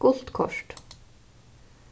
gult kort